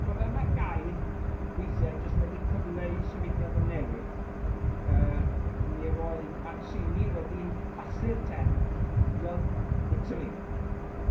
chimo fel ma' gair weithie yn jyst medru cyfleu symudiad o newid, yy mi roedd Mazzini wedi bathu'r term Young Italy.